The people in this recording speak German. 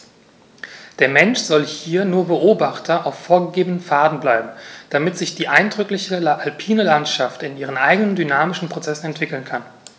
Der Mensch soll hier nur Beobachter auf vorgegebenen Pfaden bleiben, damit sich die eindrückliche alpine Landschaft in ihren eigenen dynamischen Prozessen entwickeln kann.